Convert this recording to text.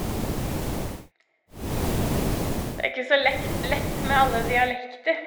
Det er ikke så lekt lett med alle dialekter.